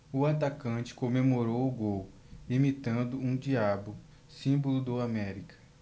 o atacante comemorou o gol imitando um diabo símbolo do américa